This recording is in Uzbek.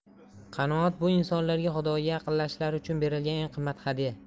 qanoat bu insonlarga xudoga yaqinlashishlari uchun berilgan eng qimmat hadya